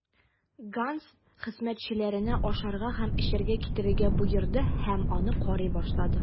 Ганс хезмәтчеләренә ашарга һәм эчәргә китерергә боерды һәм аны карый башлады.